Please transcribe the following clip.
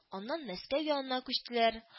Аннан мәскәү янына күчтеләр